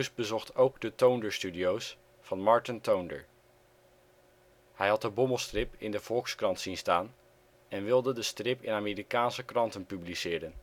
bezocht ook de Toonder Studio 's van Marten Toonder. Hij had de Bommelstrip in de Volkskrant zien staan, en wilde de strip in Amerikaanse kranten publiceren